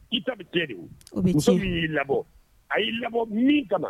I ta jɛ so y'i labɔ a y'i labɔ min kama